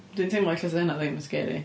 Dwi'n teimlo ella 'sa hynna ddim yn sgeri.